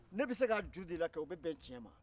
ne bɛ se k'a jurudon i la kɛ o bɛ bɛn tiɲɛ ma